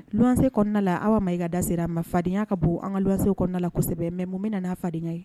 Wanse kɔnɔna la aw ma i ka dasera ma fadenyaya ka bon an ka wase kɔnɔna la kosɛbɛ mɛ mun min na n'a fadenya ye